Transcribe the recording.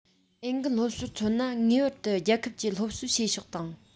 འོས འགན སློབ གསོར མཚོན ན ངེས པར དུ རྒྱལ ཁབ ཀྱི སློབ གསོའི བྱེད ཕྱོགས དང